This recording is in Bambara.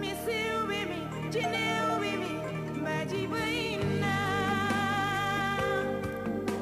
Misi bɛmini cɛ bɛmini duji bɔ'i la